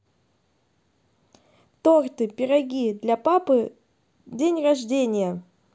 торты пироги для папы день рождения